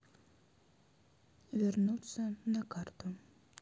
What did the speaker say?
вернуться на карту